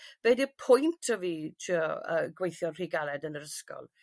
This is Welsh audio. be' 'di y pwynt o fi trio yy gweithio rhy galed yn yr ysgol?